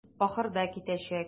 Ахырда китәчәк.